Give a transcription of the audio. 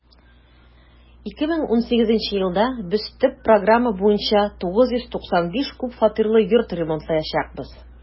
2018 елда без төп программа буенча 995 күп фатирлы йорт ремонтлаячакбыз.